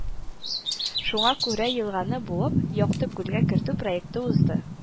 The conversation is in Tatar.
Шуңа күрә елганы буып, Якты күлгә кертү проекты узды